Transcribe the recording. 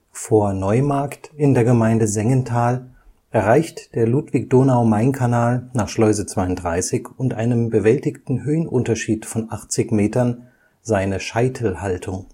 Vor Neumarkt in der Gemeinde Sengenthal erreicht der Ludwig-Donau-Main-Kanal nach Schleuse 32 und einem bewältigten Höhenunterschied von 80 Metern seine Scheitelhaltung